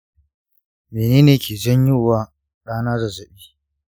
mene ne ke janyo wa ɗana zazzabi?